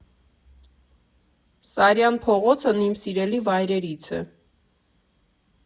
Սարյան փողոցն իմ սիրելի վայրերից է։